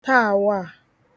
taà waà